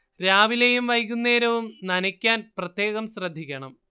രാവിലെയും വൈകുന്നേരവും നനയ്ക്കാൻ പ്രത്യേകം ശ്രദ്ധിക്കണം